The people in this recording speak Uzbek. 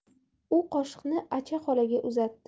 u qoshiqni acha xolaga uzatdi